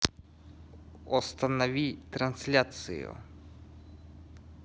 останови трансляцию